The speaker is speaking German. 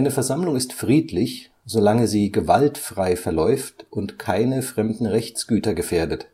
Versammlung ist friedlich, solange sie gewaltfrei verläuft und keine fremden Rechtsgüter gefährdet